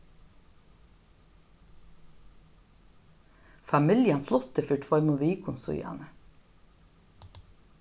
familjan flutti fyri tveimum vikum síðani